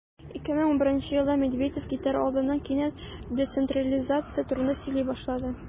2011 елда медведев китәр алдыннан кинәт децентрализация турында сөйли башлады.